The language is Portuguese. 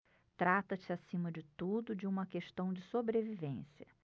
trata-se acima de tudo de uma questão de sobrevivência